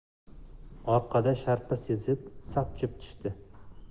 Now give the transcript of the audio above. orqada sharpa sezib sapchib tushdi